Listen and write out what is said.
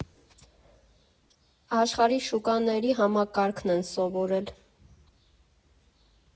Աշխարհի շուկաների համակարգն են սովորել.